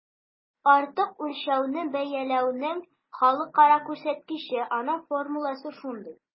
ИМТ - артык үлчәүне бәяләүнең халыкара күрсәткече, аның формуласы шундый: